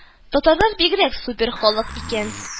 Татарлар бигрәк супер халык икән